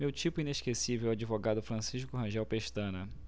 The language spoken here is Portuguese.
meu tipo inesquecível é o advogado francisco rangel pestana